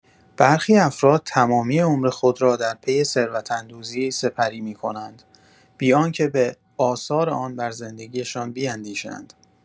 برخی افراد تمامی عمر خود را در پی ثروت‌اندوزی سپری می‌کنند، بی‌آنکه به آثار آن بر زندگی‌شان بیندیشند.